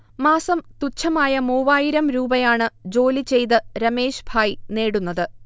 മാസം തുച്ഛമായ മൂവായിരം രൂപയാണ് ജോലി ചെയ്ത് രമേശ്ഭായ് നേടുന്നത്